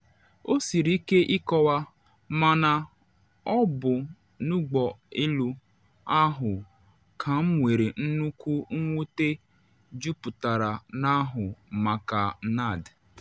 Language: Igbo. O siri ike ịkọwa, mana ọ bụ n’ụgbọ elu ahụ ka m nwere nnukwu mwute juputara n’ahụ maka Nad.